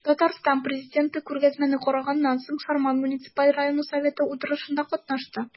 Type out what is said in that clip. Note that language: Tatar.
Татарстан Президенты күргәзмәне караганнан соң, Сарман муниципаль районы советы утырышында катнашты.